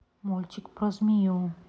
мультик про змею